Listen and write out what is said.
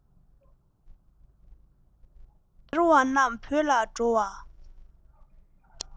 གྲོང ཁྱེར བ རྣམས བོད ལ འགྲོ བ